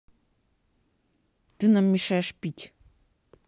ты нам мешаешь пить